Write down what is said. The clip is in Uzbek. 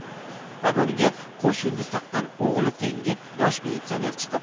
pogoniga qo'sh yulduz taqqan o'g'li tengi yosh militsioner chiqib